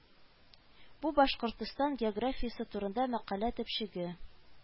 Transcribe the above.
Бу Башкортстан географиясе турында мәкалә төпчеге